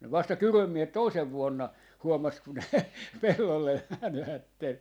ne vasta Kyrön miehet toisena vuonna huomasi kun ne pellolle menivät